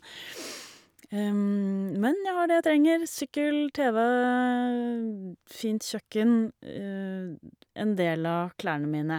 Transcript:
Men jeg har det jeg trenger, sykkel, TV, fint kjøkken, d en del av klærne mine.